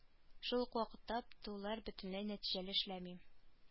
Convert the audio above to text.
Шук ук вакытта птулар бөтенләй нәтиҗәле эшләми